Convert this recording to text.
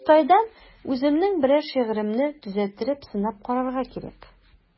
Мостайдан үземнең берәр шигыремне төзәттереп сынап карарга кирәк.